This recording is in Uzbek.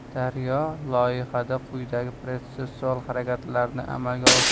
daryo loyihada quyidagi protsessual harakatlarni amalga